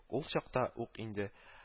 Ул чакта ук инде